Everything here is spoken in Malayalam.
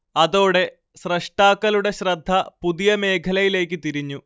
അതോടെ സ്രഷ്ടാക്കളുടെ ശ്രദ്ധ പുതിയമേഖലയിലേക്ക് തിരിഞ്ഞു